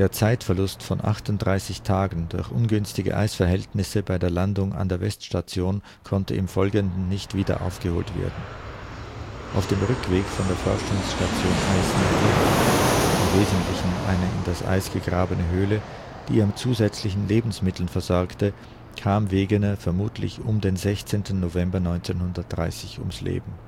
Zeitverlust von 38 Tagen durch ungünstige Eisverhältnisse bei der Landung an der Weststation konnte im Folgenden nicht wieder aufgeholt werden. Auf dem Rückweg von der Forschungsstation Eismitte (im Wesentlichen eine in das Eis gegrabene Höhle), die er mit zusätzlichen Lebensmitteln versorgte, kam Wegener vermutlich um den 16. November 1930 ums Leben